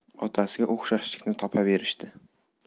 otasiga o'xshashlikni topaverishdi